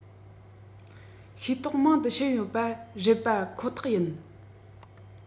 ཤེས རྟོགས མང དུ ཕྱིན ཡོད པ རེད པ ཁོ ཐག ཡིན